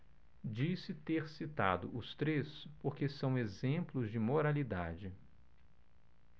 disse ter citado os três porque são exemplos de moralidade